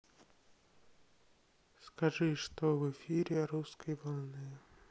скажи что в эфире русской волны